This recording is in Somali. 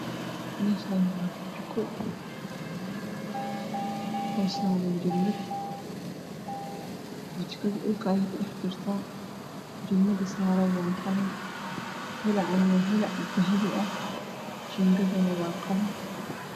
Meshani wa bur jiko waxa saran jalmad burjikada dhulka ay ku dhax jirta